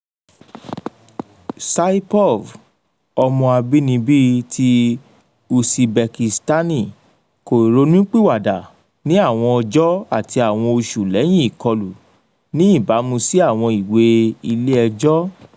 Saipov, ọmọ abínibí ti Usibekisitani, kò ìrònúpìwàdà ní àwọn ọjọ́ àti àwọn oṣù lẹyìn ìkọlù ní ìbámu sí àwọn ìwé ilé ẹjọ́.